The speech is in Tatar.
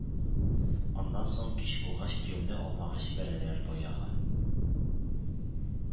Аннан соң, кич булгач, кияүне алмага җибәрәләр, баягы